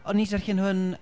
O'n i 'di darllen hwn...